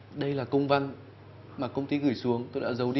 đây là công văn mà công ty gửi xuống tôi đã giấu đi